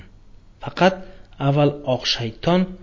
faqat avval oq shayton